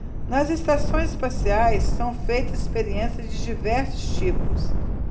nas estações espaciais são feitas experiências de diversos tipos